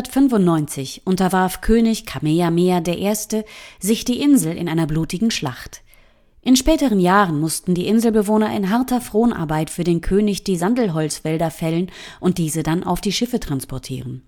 1795 unterwarf König Kamehameha I. sich die Insel in einer blutigen Schlacht. In späteren Jahren mussten die Inselbewohner in harter Fronarbeit für den König die Sandelholzwälder fällen und diese dann auf die Schiffe transportieren